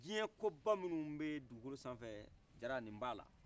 diɲɛ koba minnu bɛ dugukolo san fɛ jaara nin b'a la